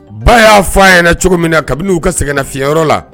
Ba y'a fɔ a yɛrɛ cogo min na kabini y'u ka sɛgɛnna fiɲɛɲɛyɔrɔ la